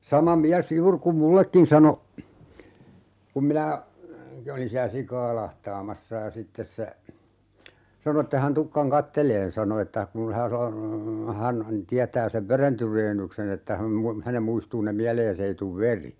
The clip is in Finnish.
sama mies juuri kun minullekin sanoi kun minä olin siellä sikaa lahtaamassa ja sitten se sanoi että ei hän tulekaan katselemaan sanoi että kun - hän tietää sen veren tyreennyksen että hän - hänen muistuu ne mieleen ei tule veri